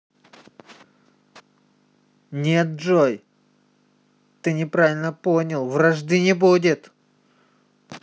нет джой ты неправильно понял вражды не будет